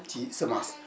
ci semence